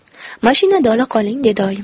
mashinada ola qoling dedi oyim